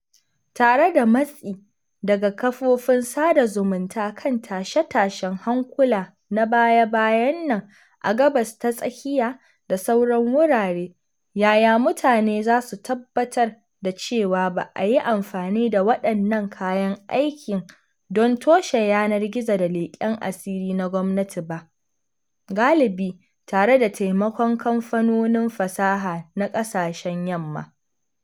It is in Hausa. Tare da matsi daga kafofin sada zumunta kan tashe-tashen hankula na baya-bayan nan a Gabas ta Tsakiya da sauran wurare, yaya mutane za su tabbatar da cewa ba a yi amfani da waɗannan kayan aikin don toshe yanar gizo da leƙen asiri na gwamnati ba (galibi tare da taimakon kamfanonin fasaha na ƙasashen Yamma)?